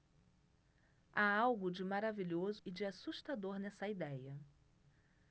há algo de maravilhoso e de assustador nessa idéia